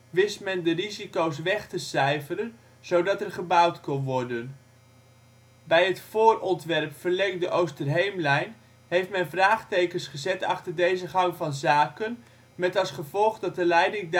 wist men de risico 's weg te cijferen zodat er gebouwd kon worden. Bij het voorontwerp Verlengde Oosterheemlijn heeft men vraagtekens gezet achter deze gang van zaken met als gevolg dat de leiding